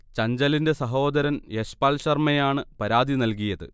ചഞ്ചലിന്റെ സഹോദർ യശ്പാൽ ശർമ്മയാണ് പരാതി നൽകിയത്